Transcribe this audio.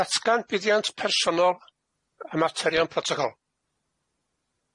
Datgan buddiant personol y materion protocol.